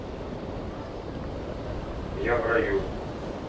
я в раю